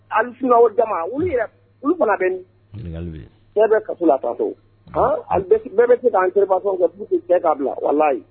Ali s o dama olu yɛrɛ olu fana bɛ cɛ bɛ ka la pa bɛɛ bɛ se k'an teriba ka du k'a bila wala